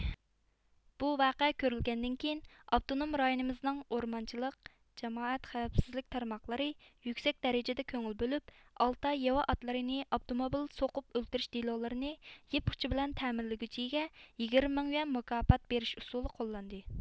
بۇ ۋەقە كۆرۈلگەندىن كېيىن ئاپتونوم رايونىمىزنىڭ ئورمانچىلىق جامائەت خەۋپسىزلىك تارماقلىرى يۈكسەك دەرىجىدە كۆڭۈل بۆلۈپ ئالتاي ياۋا ئاتلىرىنى ئاپتوموبىل سوقۇپ ئۆلتۈرۈش دېلولىرىنى يىپ ئۇچى بىلەن تەمىنلىگۈچىگە يىگىرمە مىڭ يۈەن مۇكاپات بېرىش ئۇسولى قوللاندى